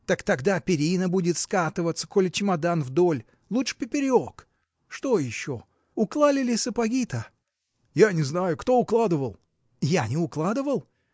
– Так тогда перина будет скатываться, коли чемодан вдоль лучше поперек. Что еще? уклали ли сапоги-то? – Я не знаю. Кто укладывал? – Я не укладывал.